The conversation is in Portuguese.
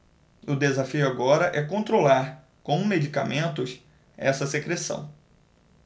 o desafio agora é controlar com medicamentos essa secreção